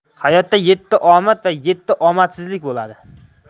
hayotda yetti omad va yetti omadsizlik bo'ladi